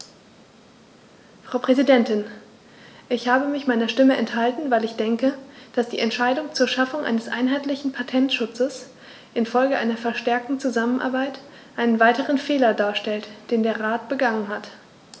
Frau Präsidentin, ich habe mich meiner Stimme enthalten, weil ich denke, dass die Entscheidung zur Schaffung eines einheitlichen Patentschutzes in Folge einer verstärkten Zusammenarbeit einen weiteren Fehler darstellt, den der Rat begangen hat.